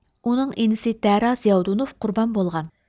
ئۇنىڭ ئىنىسى دەرا زىياۋۇدۇنۇف قۇربان بولغان